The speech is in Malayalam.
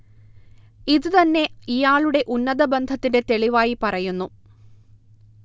ഇത് തന്നെ ഇയാളുടെ ഉന്നത ബന്ധത്തിന്റെ തെളിവായി പറയുന്നു